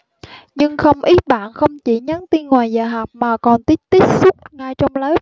nhưng không ít bạn không chỉ nhắn tin ngoài giờ học mà còn tít tít suốt ngay trong lớp